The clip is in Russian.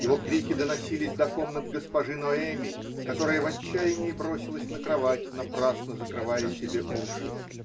Его крики доносились до комнат госпожи Ноэми, которая в отчаянии бросилась на кровать, напрасно закрывая себе уши.